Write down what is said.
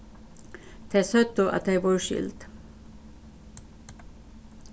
tey søgdu at tey vóru skild